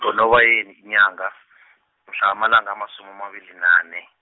ngoNobayeni inyanga, mhla amalanga amasumi amabili nane.